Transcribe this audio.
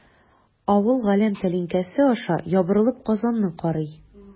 Авыл галәм тәлинкәсе аша ябырылып Казанны карый.